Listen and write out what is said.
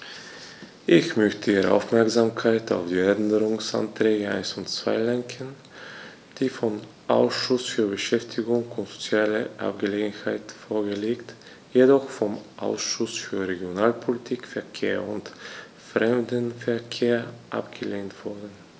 Ich möchte Ihre Aufmerksamkeit auf die Änderungsanträge 1 und 2 lenken, die vom Ausschuss für Beschäftigung und soziale Angelegenheiten vorgelegt, jedoch vom Ausschuss für Regionalpolitik, Verkehr und Fremdenverkehr abgelehnt wurden.